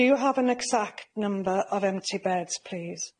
Do you have an exact number of empty beds please?